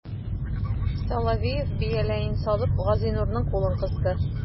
Соловеев, бияләен салып, Газинурның кулын кысты.